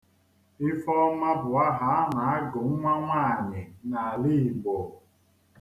Ifeọma bụ aha a na-agụ nwa nwaanyị n'ala Igbo.